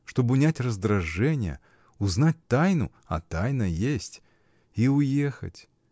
чтоб унять раздражение, узнать тайну (а тайна есть!) и уехать!